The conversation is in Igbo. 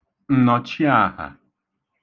ǹnọ̀chiàhà